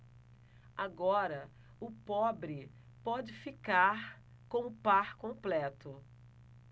agora o pobre pode ficar com o par completo